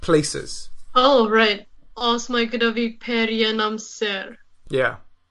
Places O reit, os mai gyda fi perian amser. Ie.